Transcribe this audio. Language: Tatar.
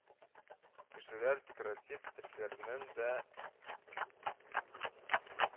Кешеләр декоратив этләрнең дә